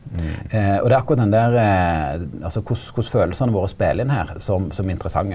og det er akkurat den der altså korleis korleis følelsane våre speler inn her som som er interessante.